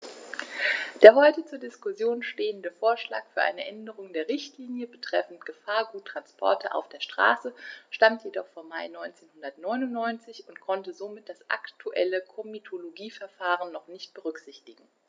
Der heute zur Diskussion stehende Vorschlag für eine Änderung der Richtlinie betreffend Gefahrguttransporte auf der Straße stammt jedoch vom Mai 1999 und konnte somit das aktuelle Komitologieverfahren noch nicht berücksichtigen.